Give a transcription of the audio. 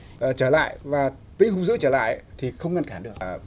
trở lại và tính hung dữ trở lại thì không ngăn cản được